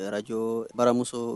Araj baramuso